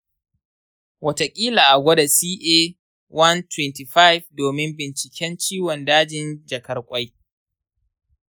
wataƙila a gwada ca 125 domin binciken ciwon dajin jakar-ƙwai.